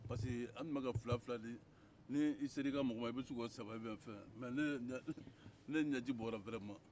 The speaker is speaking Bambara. parce que an tun bɛka fila di ni sera i ka mɔgɔ ma i bɛ se k'o kɛ saba ye mɛ ne ɲɛji bɔra tiɲɛ yɛrɛ la